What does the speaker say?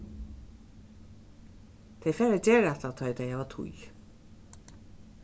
tey fara at gera hatta tá ið tey hava tíð